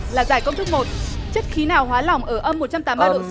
là giải công thức một chất khí nào hóa lỏng ở âm một trăm tám mươi độ